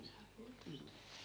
sakoa just